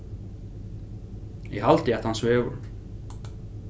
eg haldi at hann svevur